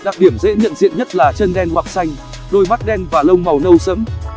đặc điểm dễ nhận diện nhất là chân đen hoặc xanh đôi mắt đen và lông màu nâu sẫm